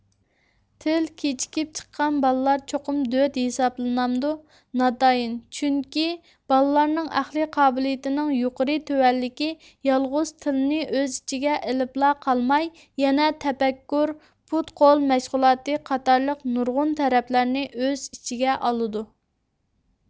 تىل كىچىكىپ چىققان بالىلار چوقۇم دۆت ھېسابلىنامدۇ ناتايىن چۈنكى بالىلارنىڭ ئەقلىي قابىلىيىتىنىڭ يۇقىرى تۆۋەنلىكى يالغۇز تىلنى ئۆز ئىچىگە ئېلىپلا قالماي يەنە تەپەككۇر پۇت قول مەشغۇلاتى قاتارلىق نۇرغۇن تەرەپلەرنى ئۆز ئىچىگە ئالىدۇ